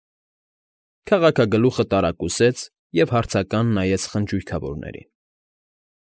Քաղաքագլուխը տարակուսեց և հարցական նայեց խնջույքավորներին։